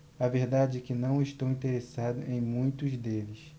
a verdade é que não estou interessado em muitos deles